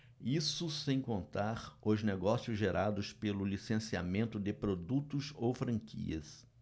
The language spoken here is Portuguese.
isso sem contar os negócios gerados pelo licenciamento de produtos ou franquias